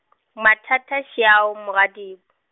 mathata šia o mogadi- .